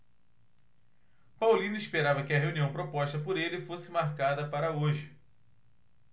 paulino esperava que a reunião proposta por ele fosse marcada para hoje